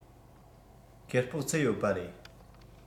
ཁེ སྤོགས ཚུད ཡོད པ རེད